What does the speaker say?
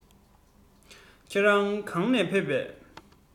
ཁྱེད རང ག ནས ཕེབས པས